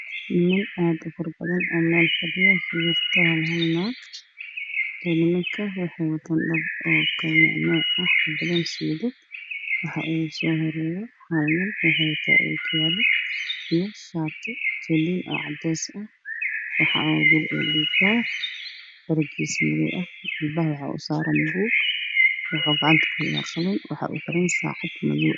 Meeshaan waa hool waxaan isku imaaday niman fara badan waxa ay u taan suudaan kuraas ay fadhiyaan